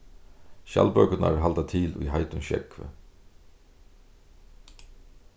skjaldbøkurnar halda til í heitum sjógvi